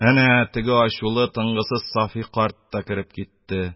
Әнә теге ачулы, тынгысыз Сафый карт та кереп китте.